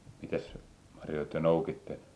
mitäs marjoja te noukitte